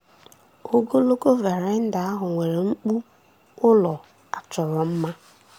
Ogologo veranda ahụ nwere mkpu ụlọ a chọrọ mma.